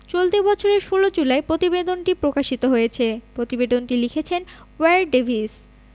চলতি বছরের ১৬ জুলাই প্রতিবেদনটি প্রকাশিত হয়েছে প্রতিবেদনটি লিখেছেন ওয়্যার ডেভিস